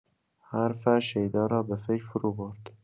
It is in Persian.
حرفش شیدا را به فکر فروبرد.